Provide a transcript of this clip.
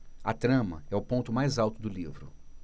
a trama é o ponto mais alto do livro